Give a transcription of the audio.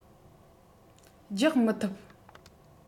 རྒྱག མི ཐུབ